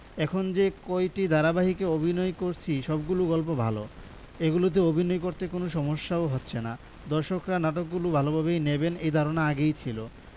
এখন যে কয়টি ধারাবাহিকে অভিনয় করছি সবগুলোর গল্প ভালো এগুলোতে অভিনয় করতে কোনো সমস্যাও হচ্ছে না দর্শকরা নাটকগুলো ভালোভাবেই নেবেন এ ধারণা আগেই ছিল